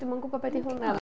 Dwi'm yn gwybod be 'di hwnna.